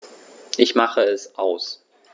Ich mache es aus.